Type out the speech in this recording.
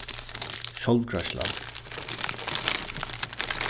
sjálvgreiðslan